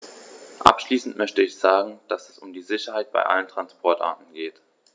Abschließend möchte ich sagen, dass es um die Sicherheit bei allen Transportarten geht.